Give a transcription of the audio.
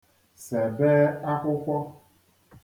sèbee akwụkwọ